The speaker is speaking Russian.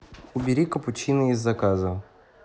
убери капучино из заказа